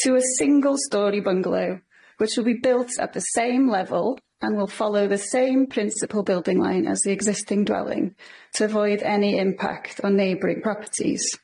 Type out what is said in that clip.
to a single storey bungalow which will be built at the same level, and will follow the same principle building line, as the existing dwelling to avoid any impact on neighbouring properties.